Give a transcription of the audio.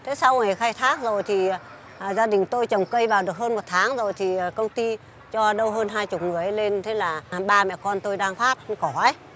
thế sau thì khai thác rồi thì ờ gia đình tôi trồng cây vào được hơn một tháng rồi thì công ty cho đâu hơn hai chục người ấy lên thế là ba mẹ con tôi đang thoát khỏi